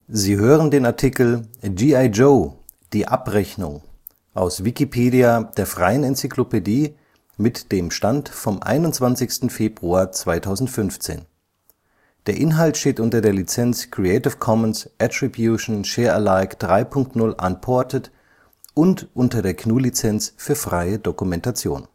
Sie hören den Artikel G.I. Joe – Die Abrechnung, aus Wikipedia, der freien Enzyklopädie. Mit dem Stand vom Der Inhalt steht unter der Lizenz Creative Commons Attribution Share Alike 3 Punkt 0 Unported und unter der GNU Lizenz für freie Dokumentation